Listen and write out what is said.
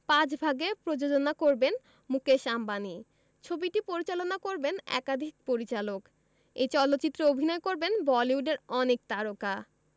পাঁচ ভাগে প্রযোজনা করবেন মুকেশ আম্বানি ছবিটি পরিচালনা করবেন একাধিক পরিচালক এই চলচ্চিত্রে অভিনয় করবেন বলিউডের অনেক তারকা